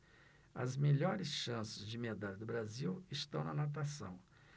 as melhores chances de medalha do brasil estão na natação